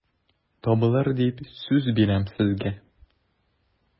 Табылыр дип сүз бирәм сезгә...